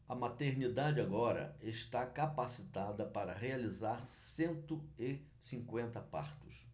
a maternidade agora está capacitada para realizar cento e cinquenta partos